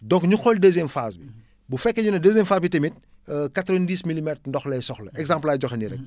donc ñu xool deuxième phase bi bu fekkee ñu ne deuxième phase tamit 90 milimètres ndox lay soxla exemple laay joxe nii rek